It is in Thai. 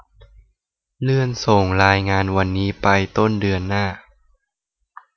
เลื่อนส่งรายงานวันนี้ไปต้นเดือนหน้า